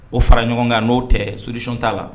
O fara ɲɔgɔn kan n'o tɛ soditi t'a la